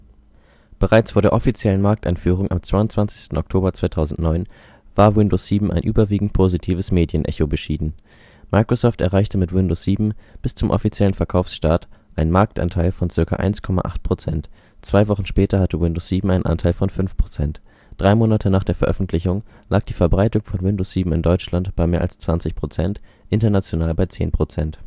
Bereits vor der offiziellen Markteinführung am 22. Oktober 2009 war Windows 7 ein überwiegend positives Medienecho beschieden. Microsoft erreichte mit Windows 7 bis zum offiziellen Verkaufsstart einen Marktanteil von zirka 1,8 Prozent, zwei Wochen später hatte Windows 7 einen Anteil von 5 Prozent. Drei Monate nach der Veröffentlichung lag die Verbreitung von Windows 7 in Deutschland bei mehr als 20 Prozent, international bei 10 Prozent